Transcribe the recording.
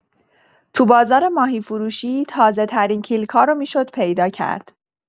تو بازار ماهی‌فروشی، تازه‌ترین کیلکا رو می‌شد پیدا کرد.